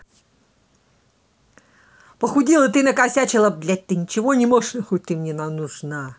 похудела ты накосячила блядь ты ничего не можешь нахуй ты мне нужна